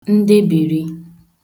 ndebìri